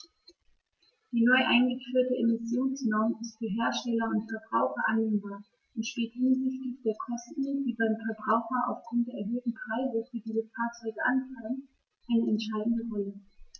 Die neu eingeführte Emissionsnorm ist für Hersteller und Verbraucher annehmbar und spielt hinsichtlich der Kosten, die beim Verbraucher aufgrund der erhöhten Preise für diese Fahrzeuge anfallen, eine entscheidende Rolle.